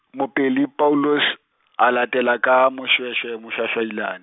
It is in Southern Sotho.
mopeli Paulus, a latela ka Moshoeshoe Moshoashoailane.